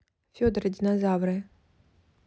федор и динозавры